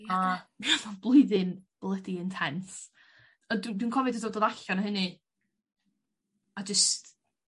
A blwyddyn blydi intense a dw- dwi'n cofio 'di dod allan o hynny a jist...